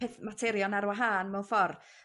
peth materion ar wahân mewn ffordd.